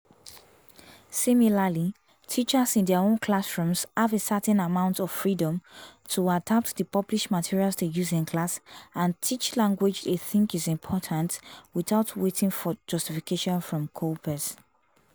Similarly, teachers in their own classrooms have a certain amount of freedom to adapt the published materials they use in class and teach language they think is important, without waiting for justification from corpus.